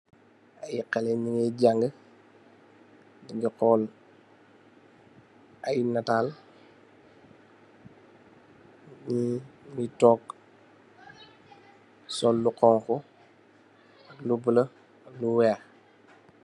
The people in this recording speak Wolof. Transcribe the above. Ay haley nungi jàng, nungi hool ay ñataal ny toog sol lu honku, lu bulo, lu weeh.